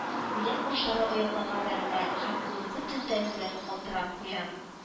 (үлән башлары аякларга бәрелә һәм колын бөтен тәне белән калтырап куя